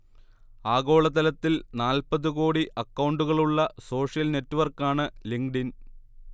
ആഗോളതലത്തിൽ നാൽപത് കോടി അക്കൗണ്ടുകളുള്ള സോഷ്യൽ നെറ്റ്വർക്കാണ് ലിങ്കഡ്ഇൻ